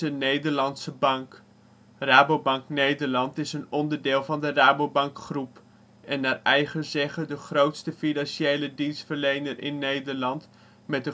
Nederlandse bank. Rabobank Nederland is een onderdeel van de Rabobank Groep, en naar eigen zeggen de grootste financiële dienstverlener in Nederland, met